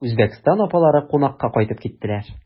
Үзбәкстаннан апалары кунакка кайтып киттеләр.